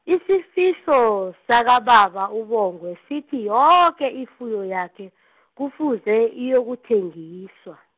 isifiso sakababa uBongwe sithi yoke ifuyo yakhe , kufuze iyokuthengiswa.